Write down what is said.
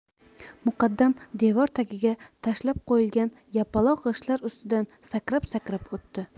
muqaddam devor tagiga tashlab qo'yilgan yapaloq g'ishtlar ustidan sakrab sakrab o'tdi